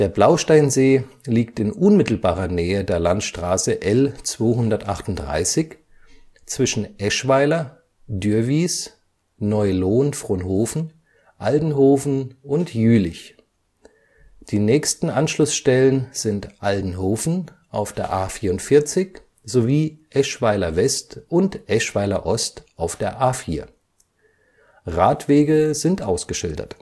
Blausteinsee liegt in unmittelbarer Nähe der Landstraße L 238 zwischen Eschweiler, Dürwiß, Neu-Lohn/Fronhoven, Aldenhoven und Jülich. Die nächsten Anschlussstellen sind Aldenhoven auf der A 44 sowie Eschweiler-West und Eschweiler-Ost auf der A 4. Radwege sind ausgeschildert